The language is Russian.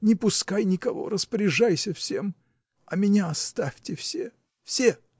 не пускай никого, распоряжайся всем. А меня оставьте все. все!